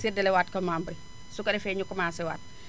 séddalewaat ko membres yi su ko defee ñu commencé waat